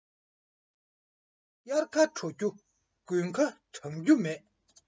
དབྱར ཁ དྲོ རྒྱུ དགུན ཁ གྲང རྒྱུ མེད